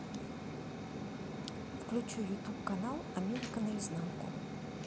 включи ютуб канал америка наизнанку